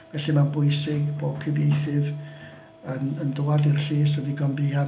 Felly mae'n bwysig bod cyfieithydd yn yn dŵad i'r llys yn ddigon buan.